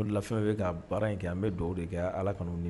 N'o la fɛn bɛ ka baara in kɛ n bɛ do de kɛ ala ka